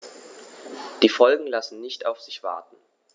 Die Folgen lassen nicht auf sich warten.